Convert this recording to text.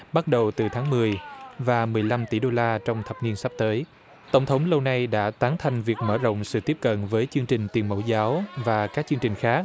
bắt đầu từ tháng mười và mười lăm tỷ đô la trong thập niên sắp tới tổng thống lâu nay đã tán thành việc mở rộng sự tiếp cận với chương trình từ mẫu giáo và các chương trình khác